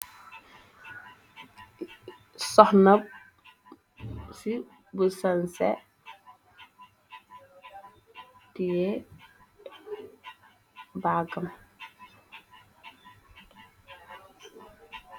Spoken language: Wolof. Soxna bu sanseh teyeh bagam .